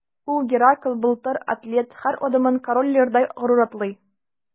Ул – Геракл, Былтыр, атлет – һәр адымын Король Лирдай горур атлый.